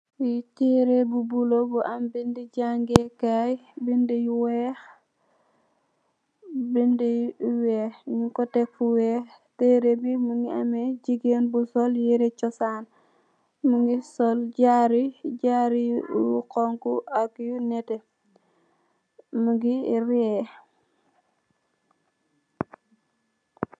Fii tehreh bu bleu bu am bindu jaangeh kaii, bindu yu wekh, bindu yu wekh, njung kor tek fu wekh, tehreh bii mungy ameh gigain bu sol yehreh choasan, mungy sol jaarou, jaarou yu honhu ak yu nehteh, mungy reeeh.